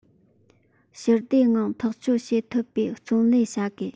ཞི བདེའི ངང ཐག གཅོད བྱེད ཐུབ པའི བརྩོན ལེན བྱ དགོས